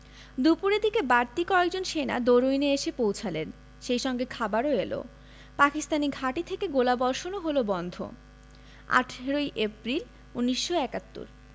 দুপুরের দিকে বাড়তি কয়েকজন সেনা দরুইনে এসে পৌঁছালেন সেই সঙ্গে খাবারও এলো পাকিস্তানি ঘাঁটি থেকে গোলাবর্ষণও হলো বন্ধ ১৮ এপ্রিল ১৯৭১